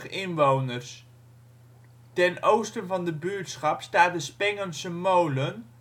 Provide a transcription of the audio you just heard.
inwoners. Ten oosten van de buurtschap staat de Spengense Molen